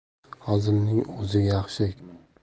hazilning ozi yaxshi